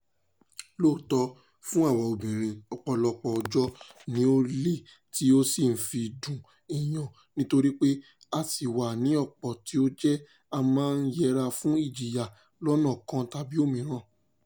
Lóòótọ́, fún àwa obìnrin ọ̀pọ̀lọpọ̀ ọjọ́ ni ó le tí ó sì ń dùn èèyàn nítorí pé a ṣì wà ní ipò tí ó jẹ́ pé a máa ń yẹra fún ìjìyà lọ́nà kan tàbí òmíràn.